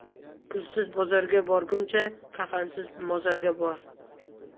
pulsiz bozorga borguncha kafansiz mozorga bor